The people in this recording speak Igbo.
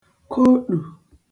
koṭù